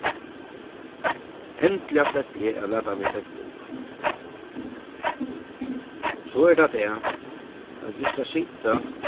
endiliga sleppi eg at lata meg fínt í so er tað tað at eg skal sita